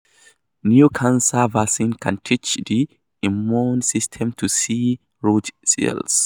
New cancer vaccine can teach the immune system to 'see' rogue cells